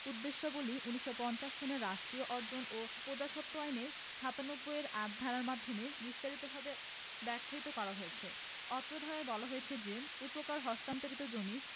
উদ্দেশ্যাবলী ১৯৫০ সনের রাষ্ট্রীয় অর্জন ও প্রজাস্বত্ব আইনের ৯৭ ৮ ধারার মাধ্যমে বিস্তারিতভাবে ব্যাখ্যায়িত করা হয়েছে অত্র ধারায় বলা হয়েছে যে এ প্রকার হস্তান্তরিত জমি